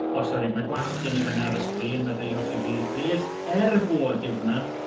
o sori ma' gwall gen i fyna a'r y sgrin meddwuwch i fi plîs er bod yw hwnna